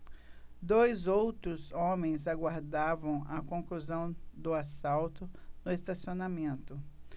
dois outros homens aguardavam a conclusão do assalto no estacionamento